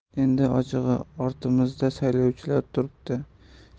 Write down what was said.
endi ochig'i ortimizda saylovchilar turibdi